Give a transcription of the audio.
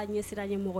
Ɲɛ sira ye mɔgɔ ye